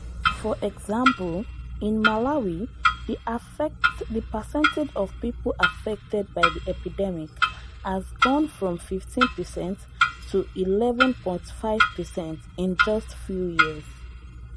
For example, in Malawi the percentage of people affected by the epidemic has gone from 15% to 11.5% in just a few years.